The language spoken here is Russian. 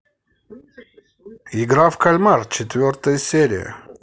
игра в кальмар четвертая серия